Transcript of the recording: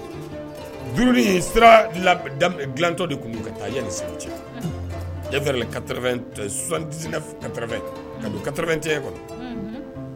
Du sira dilatɔ de tun taaani segu cɛ kata ka kata ti